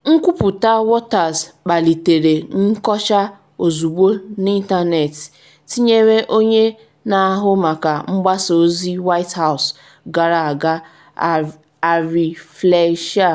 Nkwuputa Waters kpalitere nkọcha ozugbo n’ịntanetị, tinyere onye n’ahụ maka mgbasa ozi White House gara aga Ari Fleischer.